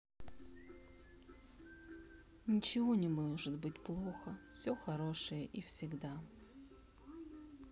ничего не может быть плохо все хорошее и всегда